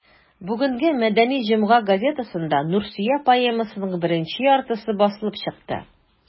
Бүгенге «Мәдәни җомга» газетасында «Нурсөя» поэмасының беренче яртысы басылып чыкты.